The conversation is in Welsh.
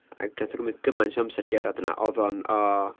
Ac wnaeth o gymryd gymaint o amser i gerdded yna oedd o'n o!